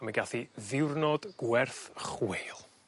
a mi gath 'i ddiwrnod gwerth chweil.